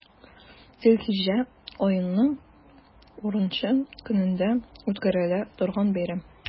Зөлхиҗҗә аеның унынчы көнендә үткәрелә торган бәйрәм.